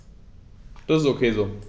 Das ist ok so.